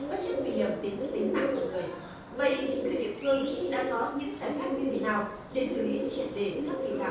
bất chấp nguy hiểm đến tính mạng con người vậy chính quyền địa phương đã có những giải pháp như thế nào để xử lý triệt để các vi phạm